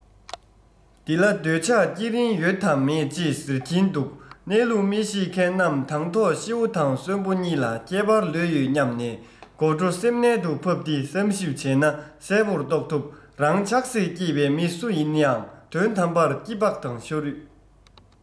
འདི ལ འདོད ཆགས སྐྱེ རིན ཡོད དམ མེད ཅེས སོགས ཟེར གྱིན འདུག གནས ལུགས མི ཤེས མཁན རྣམས དང ཐོག ཤི བོ དང གསོན པོ གཉིས ལ ཁྱད པར ལོས ཡོད སྙམ ནས དགོད བྲོ སེམས རྣལ དུ ཕབ སྟེ བསམ གཞིགས བྱས ན གསལ བོར རྟོགས ཐུབ རང ཆགས སྲེད སྐྱེས པའི མི སུ ཡིན ཡང དོན དམ པར སྐྱི པགས དང ཤ རུས